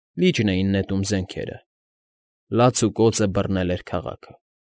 Լիճն էին նետում զենքերը։ Լաց ու կոծը բռնել էր քաղաքը։